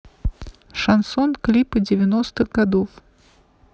шансон клипы девяностых годов